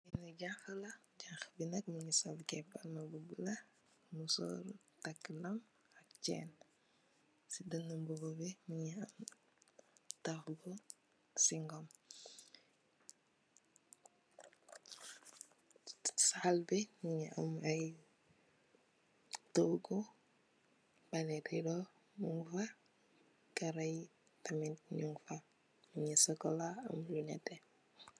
Ki jàngha la, jàngha bi nak mungi sol tekk ak mbub bu bulo, musóor, takk lam ak chenn. Ci dënn mbubu bi mungi am taff bi cigum. Ci saal bi mungi am ay toogu, ba ngi pillow mung fa, karo yi tamit nung fa. Mungi sokola am lu nètè.